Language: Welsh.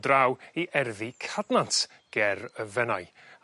...draw i erddi Cadnant ger o Fenai